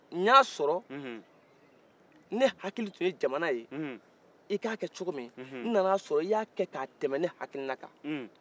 n y'a sɔrɔ ne hakili tun ye jaman ye i ka kɛ cogo min n nana sɔrɔ i y'a kɛ ka tɛmɛ ne hakilinan kan